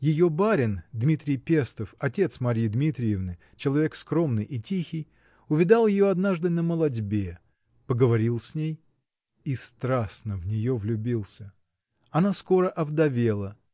Ее барин, Дмитрий Пестов, отец Марьи Дмитриевны, человек скромный и тихий, увидал ее однажды на молотьбе, поговорил с ней и страстно в нее влюбился. Она скоро овдовела